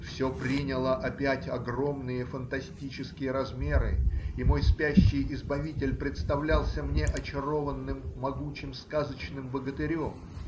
все приняло опять огромные, фантастические размеры, и мой спящий избавитель представлялся мне очарованным могучим сказочным богатырем.